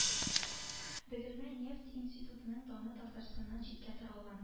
Бөгелмә нефть институтының даны татарстаннан читкә таралган